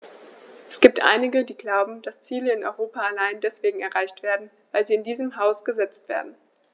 Es gibt einige, die glauben, dass Ziele in Europa allein deswegen erreicht werden, weil sie in diesem Haus gesetzt werden.